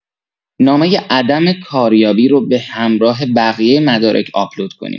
نامۀ عدم کاریابی رو به همراه بقیۀ مدارک آپلود کنیم